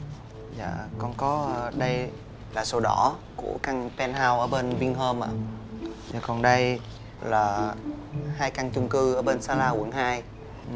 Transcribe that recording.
dạ con có đây là sổ đỏ của căn ben hau ở bên vin hôm ạ còn đây là hai căn chung cư ở bên xa la quận hai